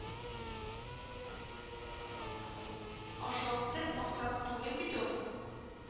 Ашау – төп максат түгел бит ул